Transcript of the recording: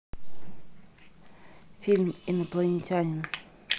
фильм инопланетянин